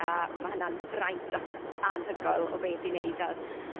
A ma' hynna'n fraint a- anhygoel o beth i wneud a ...